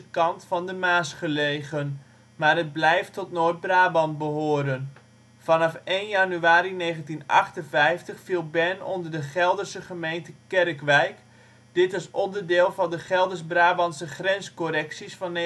kant van de Maas gelegen, maar het blijft tot Noord-Brabant behoren. Vanaf 1 januari 1958 viel Bern onder de Gelderse gemeente Kerkwijk (dit als onderdeel van de Gelders-Brabantse grenscorrecties van 1958